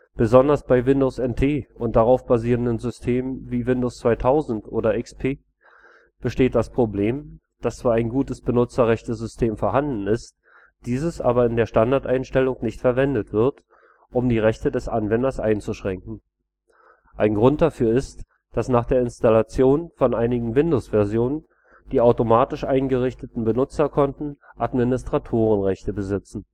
Besonders bei Windows NT und darauf basierenden Systemen wie Windows 2000 oder XP besteht das Problem, dass zwar ein gutes Benutzerrechtesystem vorhanden ist, dieses aber in der Standardeinstellung nicht verwendet wird, um die Rechte des Anwenders einzuschränken. Ein Grund dafür ist, dass nach der Installation von einigen Windows-Versionen die automatisch eingerichteten Benutzerkonten Administratorenrechte besitzen